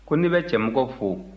ko ne bɛ cɛmɔgɔ fo